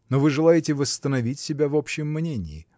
Но вы желаете восстановить себя в общем мнении